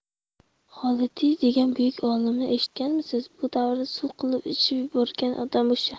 xolidiy degan buyuk olimni eshitganmisiz bu davrni suv qilib ichib yuborgan odam o'sha